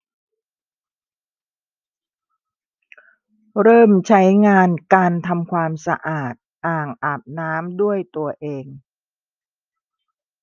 เริ่มใช้งานการทำความสะอาดอ่างอาบน้ำด้วยตัวเอง